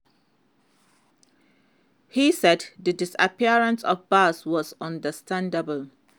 He said the disappearance of bars was understandable.